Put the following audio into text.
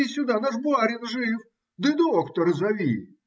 Вали сюда, наш барин жив! Да доктора зови!